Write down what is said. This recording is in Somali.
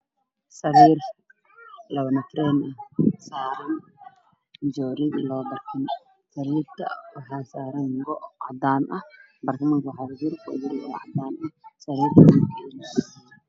Sariir labo nafanayn ah saaran joodari iyo labo barkin sariirta waxaa saaran go' cadaan eh barkimanka go gaduud iyo cadaan eh.